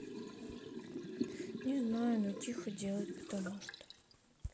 не знаю ну тихо делать потому что